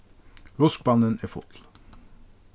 ruskspannin er full